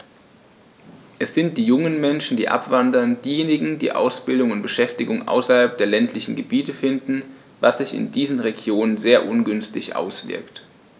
Es sind die jungen Menschen, die abwandern, diejenigen, die Ausbildung und Beschäftigung außerhalb der ländlichen Gebiete finden, was sich in diesen Regionen sehr ungünstig auswirkt.